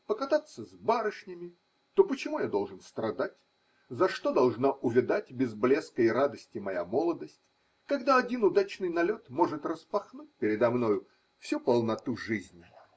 покататься с барышнями, то почему я должен страдать, за что должна увядать без блеска и радости моя молодость, когда один удачный налет может распахнуть предо мною всю полноту жизни?